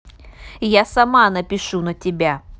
я сама напишу на тебя